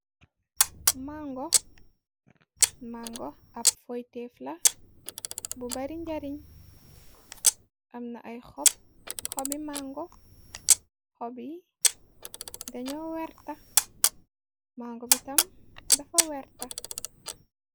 Mango màngo ab foyteef la bu bari njariñ amna ay xobi mango xobi daño werta màngo bitam dafa werta.